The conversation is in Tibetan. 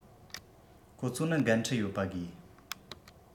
ཁོ ཚོ ནི འགན འཁྲི ཡོད པ དགོས